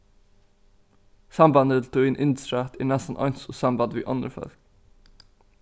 sambandið til tín yndisrætt er næstan eins og sambandið við onnur fólk